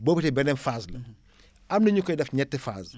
boobu tamit beneen phase la am na ñu koy def ñetti phases